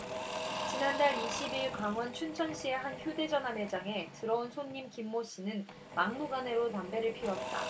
지난달 이십 일 강원 춘천시의 한 휴대전화 매장에 들어온 손님 김모 씨는 막무가내로 담배를 피웠다